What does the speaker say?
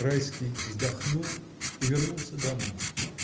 Райский вздохнул и вернулся домой.